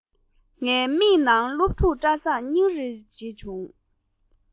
ངའི མིག ནང སློབ ཕྲུག བཀྲ བཟང སྙིང རྗེ རུ གྱུར